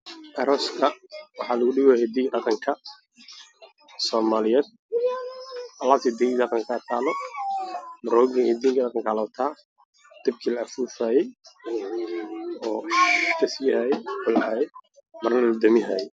Aroos hido iyo dhaqan somaliued lagu dhigaayo